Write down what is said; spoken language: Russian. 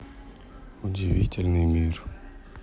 удивительный мир